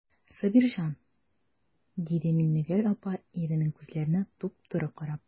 Сабирҗан,– диде Миннегөл апа, иренең күзләренә туп-туры карап.